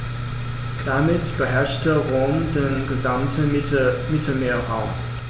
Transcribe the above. Damit beherrschte Rom den gesamten Mittelmeerraum.